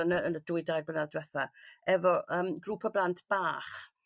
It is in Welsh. yn y yn y dwy dair blynadd dwetha efo yym grŵp o blant bach.